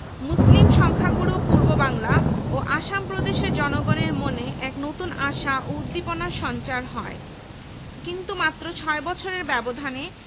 নিহত শিক্ষকদের মধ্যে ছিলেন ড. গোবিন্দচন্দ্র জি.সি দেব দর্শন বিভাগ ড. এ.এন.এম মনিরুজ্জামান পরিসংখান বিভাগ